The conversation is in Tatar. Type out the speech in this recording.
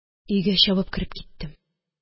Өйгә чабып кереп киттем.